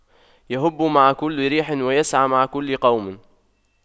يَهُبُّ مع كل ريح ويسعى مع كل قوم